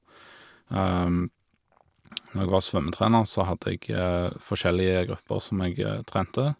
Når jeg var svømmetrener, så hadde jeg forskjellige grupper som jeg trente.